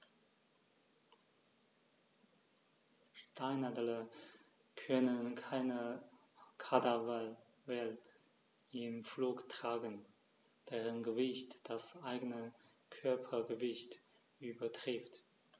Steinadler können keine Kadaver im Flug tragen, deren Gewicht das eigene Körpergewicht übertrifft.